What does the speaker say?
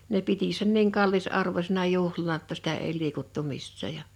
ne piti sen niin kallisarvoisena juhlana jotta sitä ei liikuttu missään ja